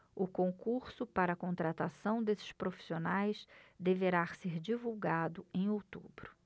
o concurso para contratação desses profissionais deverá ser divulgado em outubro